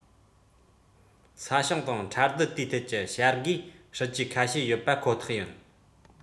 ས ཞིང དང ཁྲལ བསྡུ དེའི ཐད ཀྱི བྱ དགའི སྲིད ཇུས ཁ ཤས ཡོད པ ཁོ ཐག ཡིན